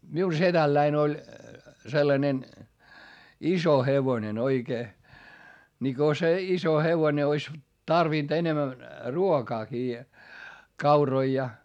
minun sedälläni oli sellainen iso hevonen oikein niin kun se iso hevonen olisi tarvinnut enemmän ruokaakin kauroja ja